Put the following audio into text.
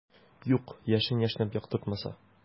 Юк, яшен яшьнәп яктыртмаса.